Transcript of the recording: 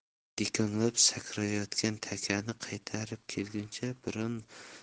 dikonglab sakrayotgan takani qaytarib kelguncha biron